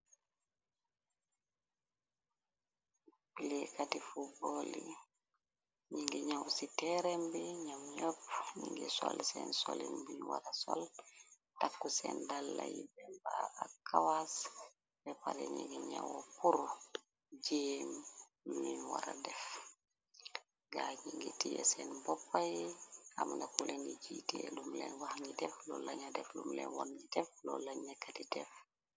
Plikatifu booli ñi ngi ñaw ci teerem bi ñam ñopp ni ngi soll seen solim mbi wara sol taxku seen dàlla yi bembaa ak kawaas fepare ni ngi ñaw puru jeem lumu wara def gaa ji ngi tiye seen boppa yi amna kuleni jiitee lumleen wax ni def lo laña def lumleen woon ji def loo lañna kati def.